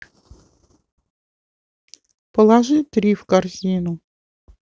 положи три в корзину